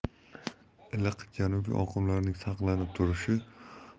iliq janubiy oqimlarning saqlanib turishi